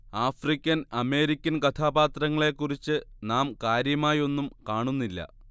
African American കഥാപാത്രങ്ങളെക്കുറിച്ച് നാം കാര്യമായൊന്നും കാണുന്നില്ല